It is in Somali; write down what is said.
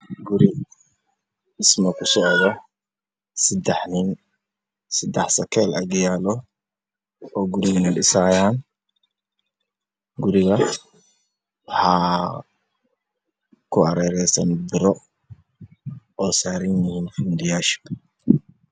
Waa guri dhismo kusocdo sedex nin aya dhisaayo